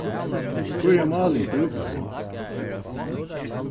hvørja máling brúkar tú